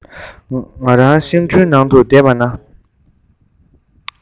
ང རང ཤིང གྲུའི ནང དུ བསྡད པ ན